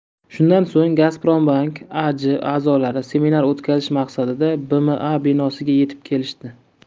shundan so'ng gazprombank aj a'zolari seminar o'tkazish maqsadida bma binosiga yetib kelishdi